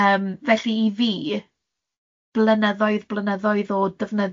Yym felly i fi, blynyddoedd, blynyddoedd o ddefnyddio fe.